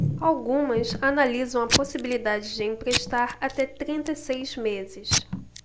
algumas analisam a possibilidade de emprestar até trinta e seis meses